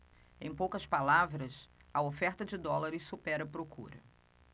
em poucas palavras a oferta de dólares supera a procura